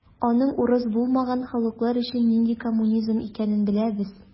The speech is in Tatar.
Аның урыс булмаган халыклар өчен нинди коммунизм икәнен беләбез.